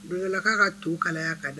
Donla k'a ka to kalaya ka da